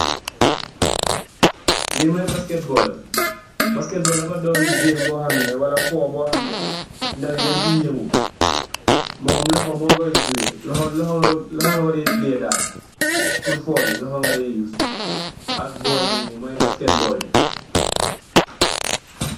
Lii mooy basket bool, basket bool dafa doon gëëm boo xam ne, Wala foo boo xam ne, ndaw i dañg siy yangú. Mom loxo moo Koy suyee, loxo nga ko dee pileey e daal. Pur foo bi loxo nga dee yuus, ak bool bi, moo nekë basket bool bi.